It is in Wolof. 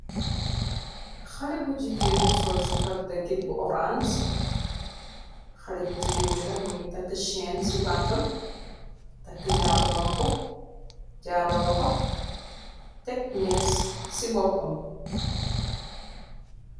Xale bu jigeen bu sol sipak dahgit bu horange, xale bu gigéen bi nak mungy takk chaine ci baatam, takkue jaarou noppu, jaarou lokhor, tek meeche ci bopam.